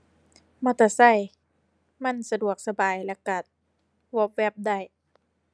มอเตอร์ไซค์ มันสะดวกสบายแล้วก็ว็อบแว็บได้